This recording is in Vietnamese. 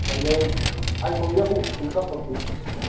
vậy nên anh có nghĩa vụ phải cung cấp thông tin